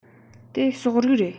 དེ སོག རིགས རེད